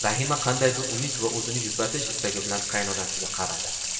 rahima qandaydir umid va o'zini yupatish istagi bilan qayinonasiga qaradi